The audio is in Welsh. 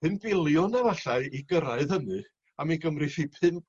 pump biliwn efallai i gyrraedd hynny a mi gymrith 'i pump